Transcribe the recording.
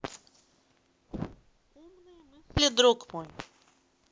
умные мысли друг мой